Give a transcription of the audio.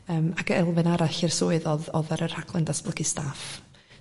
yym ag elfen arall i'r swydd odd... odd yr yr rhaglen datblygu staff so cynnig rhaglen hyfforddiant i staff